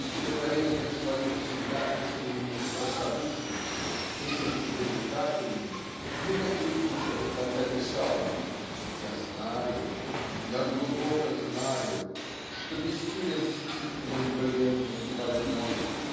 в стихотворениях своих всегда искренний и простодушный (этим и привлекательный) не кокетничал когда писал . я знаю я глубоко знаю Что бессилен стих мой бледный и больной